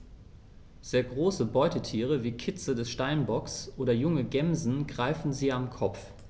Sehr große Beutetiere wie Kitze des Steinbocks oder junge Gämsen greifen sie am Kopf.